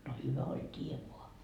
no hyvä oli tie vain